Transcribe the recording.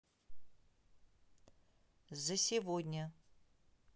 за сегодня